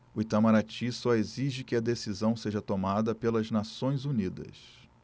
o itamaraty só exige que a decisão seja tomada pelas nações unidas